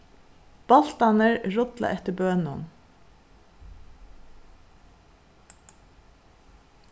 bóltarnir rulla eftir bønum